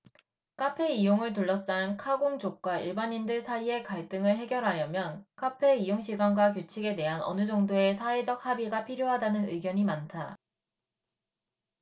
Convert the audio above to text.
카페 이용을 둘러싼 카공족과 일반인들 사이의 갈등을 해결하려면 카페 이용시간과 규칙에 대한 어느 정도의 사회적 합의가 필요하다는 의견이 많다